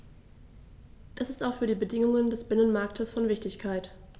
Das ist auch für die Bedingungen des Binnenmarktes von Wichtigkeit.